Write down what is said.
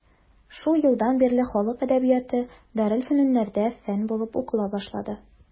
Шул елдан бирле халык әдәбияты дарелфөнүннәрдә фән булып укыла башланды.